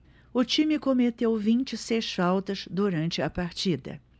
o time cometeu vinte e seis faltas durante a partida